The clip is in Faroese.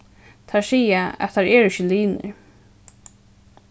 teir siga at teir eru ikki linir